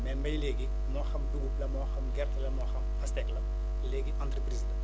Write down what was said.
mais mbéy léegi moo xam dugub la moo xam gerte la moo xam pastèque la léegi entreprise la